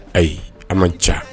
Ayi a man ca